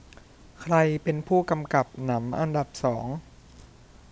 ใครเป็นผู้กำกับหนังอันดับสอง